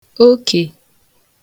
okè